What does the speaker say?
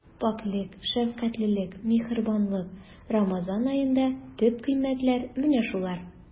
Пакьлек, шәфкатьлелек, миһербанлык— Рамазан аенда төп кыйммәтләр менә шулар.